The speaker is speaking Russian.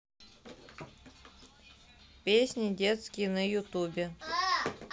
песни детские на ютубе